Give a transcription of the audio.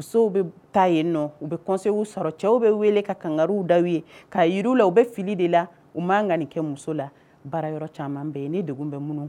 Musow bɛ ta yenninɔ u bɛ consiel sɔrɔ, cɛw bɛ weele ka kangariw da u ye, ka yir'u la u bɛ fili la de la u man ka nin kɛ muso la, baara yɔrɔ caman bɛ yen nin degun bɛ minnu